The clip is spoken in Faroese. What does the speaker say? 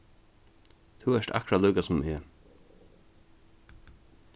tú ert akkurát líka sum eg